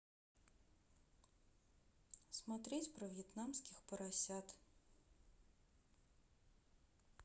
смотреть про вьетнамских поросят